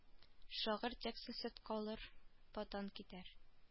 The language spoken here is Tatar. Шагыйрь текстны сөт калыр ватан китәр